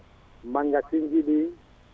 magasin jiɗi